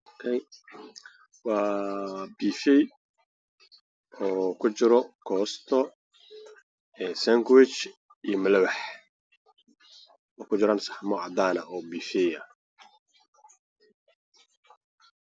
Waxaa kushiinka cuntada lagu koriyay waxaa yaalo sax maan waxaa ku jirta cunto cagaaran mala wax khudaar